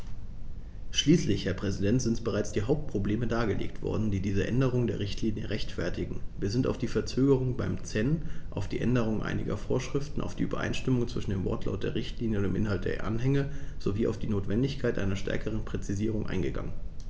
Schließlich, Herr Präsident, sind bereits die Hauptprobleme dargelegt worden, die diese Änderung der Richtlinie rechtfertigen, wir sind auf die Verzögerung beim CEN, auf die Änderung einiger Vorschriften, auf die Übereinstimmung zwischen dem Wortlaut der Richtlinie und dem Inhalt der Anhänge sowie auf die Notwendigkeit einer stärkeren Präzisierung eingegangen.